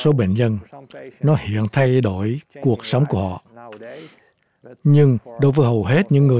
số bệnh nhân nó hiện thay đổi cuộc sống của họ nhưng đối với hầu hết những người